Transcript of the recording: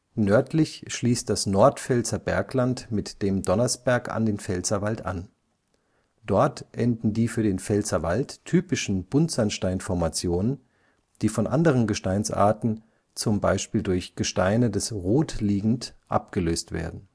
Nördlich schließt das Nordpfälzer Bergland mit dem Donnersberg (686,5 m) an den Pfälzerwald an. Dort enden die für den Pfälzerwald typischen Buntsandsteinformationen, die von anderen Gesteinsarten, z. B. durch Gesteine des Rotliegend, abgelöst werden